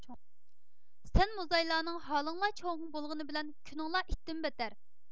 سەن موزايلارنىڭ ھالىڭلار چوڭ بولغىنى بىلەن كۈنۈڭلار ئىتتىن بەتتەر